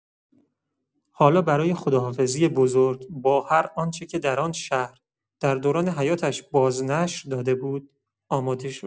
حالا برای خداحافظی بزرگ با هر آنچه که در آن شهر، در دوران حیاتش بازنشر داده بود، آماده شد.